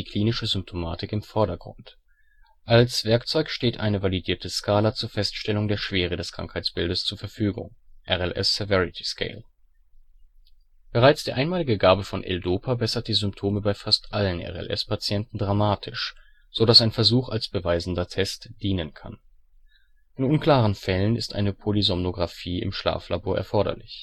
klinische Symptomatik im Vordergrund. Als Werkzeug steht eine validierte Skala zur Feststellung der Schwere des Krankheitsbildes zur Verfügung (RLS Severity Scale). Bereits die einmalige Gabe von L-Dopa bessert die Symptome bei fast allen RLS-Patienten dramatisch, so dass ein Versuch als beweisender Test dienen kann. In unklaren Fällen ist eine Polysomnographie im Schlaflabor erforderlich